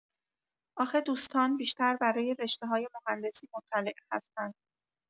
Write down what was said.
آخه دوستان بیشتر برای رشته‌های مهندسی مطلع هستن